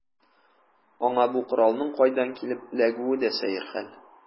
Аңа бу коралның кайдан килеп эләгүе дә сәер хәл.